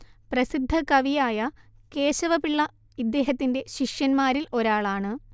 പ്രസിദ്ധകവിയായ കേശവപിള്ള ഇദ്ദേഹത്തിന്റെ ശിഷ്യന്മാരിൽ ഒരാളാണ്